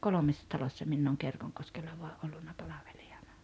kolmessa talossa minä olen Kerkonkoskella vain ollut palvelijana